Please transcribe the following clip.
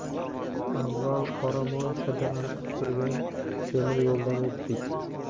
avval qora moy hidi anqib turgan temir yo'ldan o'tdik